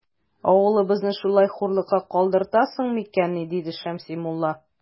Авылыбызны шулай хурлыкка калдыртасың микәнни? - диде Шәмси мулла.